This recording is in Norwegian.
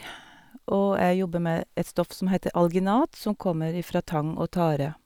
Og jeg jobber med et stoff som heter alginat, som kommer ifra tang og tare.